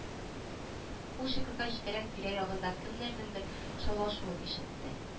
Ул чокырга җитәрәк тирә-ягында кемнәрнеңдер шаулашуын ишетте